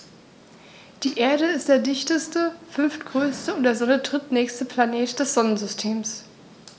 Die Erde ist der dichteste, fünftgrößte und der Sonne drittnächste Planet des Sonnensystems.